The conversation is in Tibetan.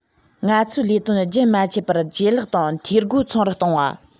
ང ཚོའི ལས དོན རྒྱུན མ ཆད པར ཇེ ལེགས དང འཐུས སྒོ ཚང དུ གཏོང བ